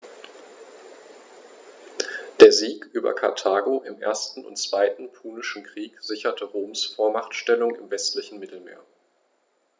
Der Sieg über Karthago im 1. und 2. Punischen Krieg sicherte Roms Vormachtstellung im westlichen Mittelmeer.